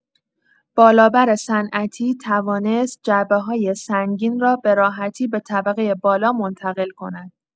بالابر صنعتی توانست جعبه‌های سنگین را به راحتی به طبقه بالا منتقل کند.